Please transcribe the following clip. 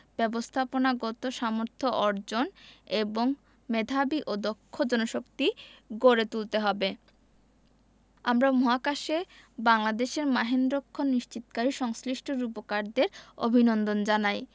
ব্যবস্থাপনাগত সামর্থ্য অর্জন এবং মেধাবী ও দক্ষ জনশক্তি গড়ে তুলতে হবে আমরা মহাকাশে বাংলাদেশের মাহেন্দ্রক্ষণ নিশ্চিতকারী সংশ্লিষ্ট রূপকারদের অভিনন্দন জানাই